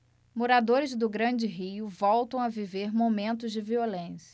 moradores do grande rio voltam a viver momentos de violência